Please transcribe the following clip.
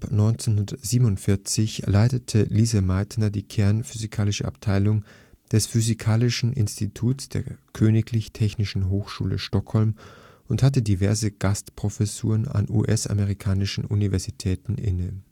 1947 leitete Lise Meitner die kernphysikalische Abteilung des Physikalischen Instituts der Königlich Technischen Hochschule Stockholm und hatte diverse Gastprofessuren an US-amerikanischen Universitäten inne